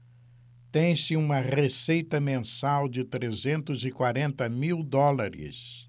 tem-se uma receita mensal de trezentos e quarenta mil dólares